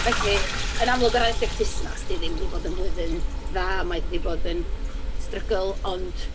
Felly, yn amlwg, o ran rhedeg busnes 'di ddim 'di bod yn flwyddyn dda, mae 'di bod yn struggle, ond...